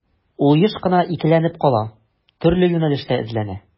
Ул еш кына икеләнеп кала, төрле юнәлештә эзләнә.